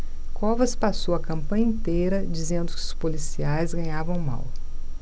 covas passou a campanha inteira dizendo que os policiais ganhavam mal